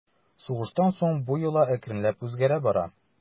Сугыштан соң бу йола әкренләп үзгәрә бара.